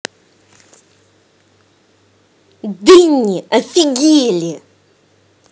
danny офигели